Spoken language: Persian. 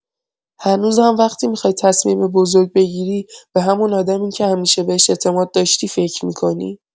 هنوزم وقتی می‌خوای تصمیم بزرگ بگیری، به همون آدمی که همیشه بهش اعتماد داشتی فکر می‌کنی؟